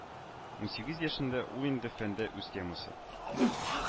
Унсигез яшендә ул инде фәндә үз темасы